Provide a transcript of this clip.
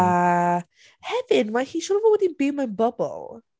A hefyd, mae hi'n siŵr o fod wedi byw mewn bubble.